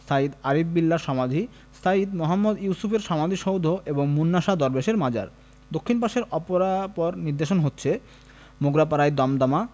সাইয়্যিদ আরিফ বিল্লাহর সমাধি সাইয়্যিদ মুহম্মদ ইউসুফের সমাধিসৌধ এবং মুন্না শাহ দরবেশের মাজার দক্ষিণ পাশের অপরাপর নিদর্শন হচ্ছে মোগরাপাড়ায় দমদমা